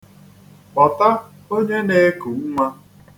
Kpọta onye na-eku nnwa.